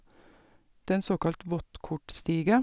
Det er en såkalt våttkortstige.